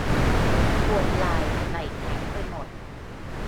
ปวดไหล่ไหล่แข็งไปหมด